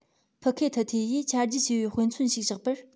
ཕི ཁེ ཐི ཐེ ཡིས ཆ རྒྱུས ཆེ བའི དཔེ མཚོན ཞིག བཞག པར